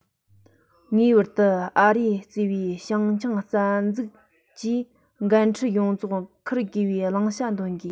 ངེས པར དུ ཨ རི གཙོས པའི བྱང ཆིངས རྩ འཛུགས ཀྱིས འགན འཁྲི ཡོངས རྫོགས འཁུར དགོས པའི བླང བྱ འདོན དགོས